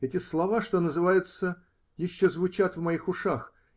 Эти слова, что называется, еще звучат в моих ушах.